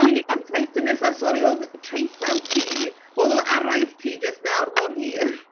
We need to tighten this. So sori oedd traethawd ti we- oedd araith ti jyst nawr mor hir!